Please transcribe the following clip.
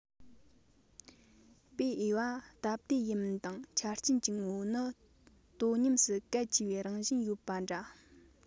སྤོས འོངས པ སྟབས བདེ ཡིན མིན དང ཆ རྐྱེན གྱི ངོ བོ ནི དོ སྙོམས སུ གལ ཆེ བའི རང བཞིན ཡོད པ འདྲ